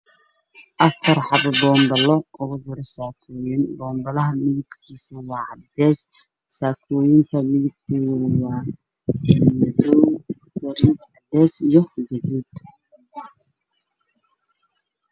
Meeshan waa carwo waxaa iga muuqda dhar dumar oo fara badan oo saakooyin ah oo saran pomble oo caddaan ah